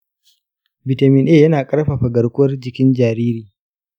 vitamin a yana ƙarfafa garkuwar jikin jariri.